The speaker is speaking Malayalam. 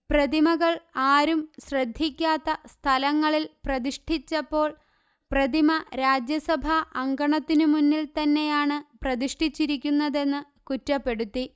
പ്രതിമകൾ ആരും ശ്രദ്ധിക്കാത്ത സ്ഥലങ്ങളിൽ പ്രതിഷ്ഠിച്ചപ്പോൾ പ്രതിമ രാജ്യസഭാ അങ്കണത്തിനു മുന്നിൽ തന്നെയാണ് പ്രതിഷ്ഠിച്ചിരിക്കുന്നതെന്ന്കുറ്റപ്പെടുത്തി